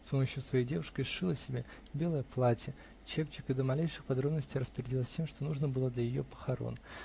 с помощью своей девушки сшила себе белое платье, чепчик и до малейших подробностей распорядилась всем, что нужно было для ее похорон.